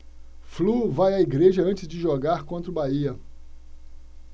flu vai à igreja antes de jogar contra o bahia